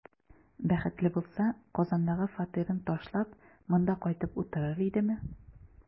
Бәхетле булса, Казандагы фатирын ташлап, монда кайтып утырыр идеме?